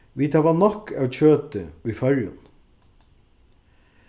vit hava nokk av kjøti í føroyum